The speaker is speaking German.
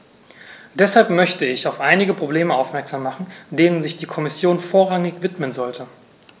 Deshalb möchte ich auf einige Probleme aufmerksam machen, denen sich die Kommission vorrangig widmen sollte.